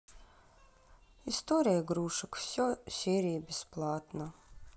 история игрушек все серии бесплатно